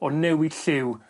o newid lliw